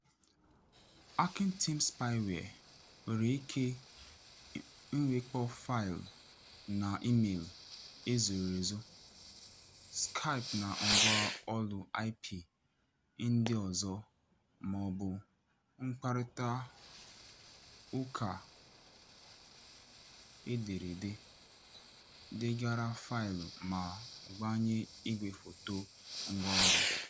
2- @hackingteam spyware nwere ike ịwakpo faịlụ na imeelụ e zoro ezo, Skype na Ngwá olu IP ndị ọzọ maọbụ mkparịtaụkaụka ederede, deghara faịlụ ma gbanye igwefoto ngwaọrụ.